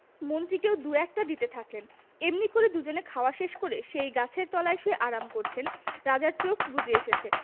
মন্ত্রীকেও দু একটা দিতে থাকলেন এমনি করে দুজনে খাওয়া শেষ করে সেই গাছের তলায় শুয়ে আরাম করছেন রাজার চোখ বুজে এসেছে